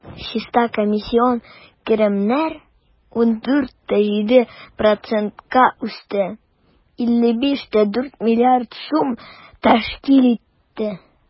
Чиста комиссион керемнәр 14,7 %-ка үсте, 55,4 млрд сум тәшкил итте.